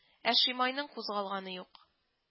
Ә шимайның кузгалганы юк